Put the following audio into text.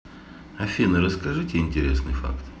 афина расскажи интересный факт